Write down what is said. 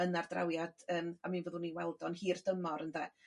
yn ardrawiad yym a mi fyddwn ni weld o'n hir dymor ynde?